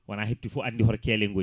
wona hepti foof andi hoto keele gonni